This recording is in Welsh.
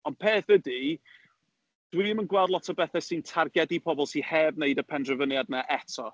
Ond peth ydy, dwi ddim yn gweld lot o bethe sy'n targedu pobl sy heb wneud y penderfyniad 'na eto.